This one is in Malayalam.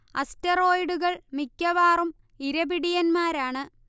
അസ്റ്ററോയ്ഡുകൾ മിക്കവാറും ഇരപിടിയന്മാരാണ്